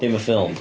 Dim y ffilm!